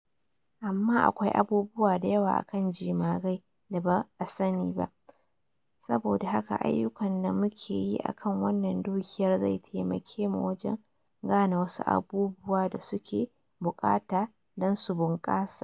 Amma akwai abubuwa da yawa akan jemagai da ba a sani ba, saboda haka ayyukan da muke yi akan wannan dukiyar zai taimake mu wajen gane wasu abubuwa da suke bukata dan su bunƙasa.”